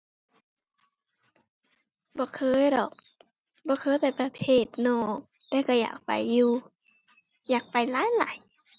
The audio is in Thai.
บ่เคยดอก บ่เคยไปประเทศนอก แต่ก็อยากไปอยู่ อยากไปหลายหลาย